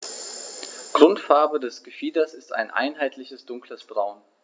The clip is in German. Grundfarbe des Gefieders ist ein einheitliches dunkles Braun.